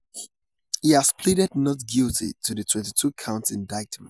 He has pleaded not guilty to the 22-count indictment.